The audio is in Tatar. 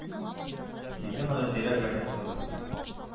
Сизде моны зирәк больниц кызы,